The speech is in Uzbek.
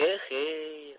eh he